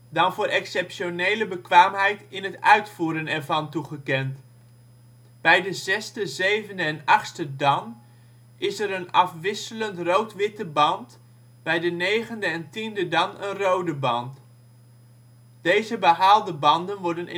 dan voor exceptionele bekwaamheid in het uitvoeren ervan toegekend. Bij de 6e, 7e en 8e dan is er een afwisselend roodwitte band, bij de 9e en 10e dan een rode band. Deze behaalde banden worden